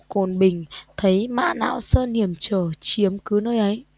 cổn bình thấy mã não sơn hiểm trở chiếm cứ nơi ấy